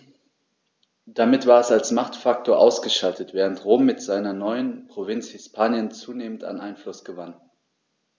Damit war es als Machtfaktor ausgeschaltet, während Rom mit seiner neuen Provinz Hispanien zunehmend an Einfluss gewann.